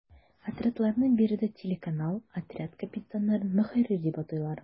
Отрядларны биредә “телеканал”, отряд капитаннарын “ мөхәррир” дип атыйлар.